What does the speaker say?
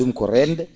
?um ko reende